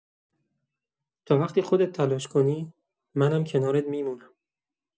تا وقتی خودت تلاش کنی، منم کنارت می‌مونم.